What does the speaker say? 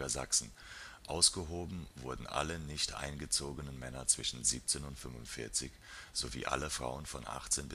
Sachsen („ ausgehoben “wurden alle nicht eingezogenen Männer zwischen 17-45, sowie alle Frauen von 18-35